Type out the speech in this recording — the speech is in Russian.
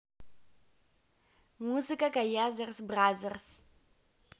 музыка gayazov$ brother$